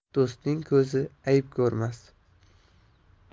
do'stning ko'zi ayb ko'rmas